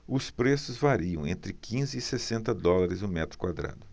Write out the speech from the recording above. os preços variam entre quinze e sessenta dólares o metro quadrado